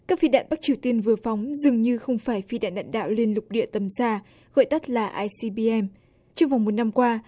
các phi đạn bắc triều tiên vừa phóng dường như không phải phi đạn đạn đạo liên lục địa tầm xa gọi tắt là ai ci bi em trong vòng một năm qua